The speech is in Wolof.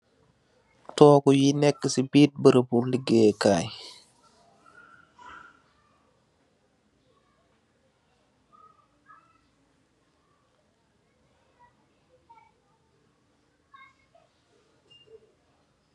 Tohgu yu nekka ci biir barabu ligeey Kai.